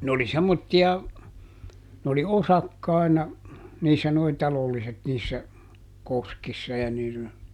ne oli semmoisia ne oli osakkaina niissä nuo talolliset niissä koskissa ja -